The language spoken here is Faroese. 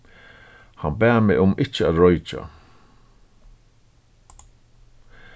hann bað meg um ikki at roykja